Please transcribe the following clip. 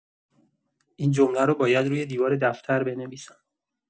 این جمله رو باید روی دیوار دفتر بنویسن.